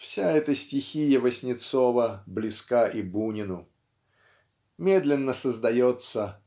Вся эта стихия Васнецова близка и Бунину. Медленно создается